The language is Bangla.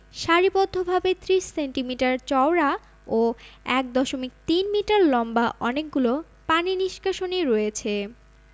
সারিবদ্ধভাবে ৩০ সেন্টিমিটার চওড়া ও ১ দশমিক ৩ মিটার লম্বা অনেকগুলো পানি নিষ্কাশনী রয়েছে